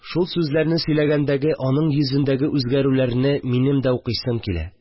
Шул сүзләрне сөйләгәндәге аның йөзендәге үзгәрүләрне минем дә укыйсым килә